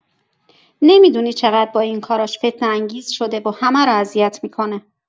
نمی‌دونی چقدر با این کاراش فتنه‌انگیز شده و همه رو اذیت می‌کنه.